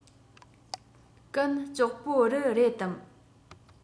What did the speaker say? གན ལྕོགས པོ རི རེད དམ